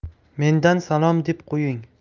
mendan salom deb qo'ying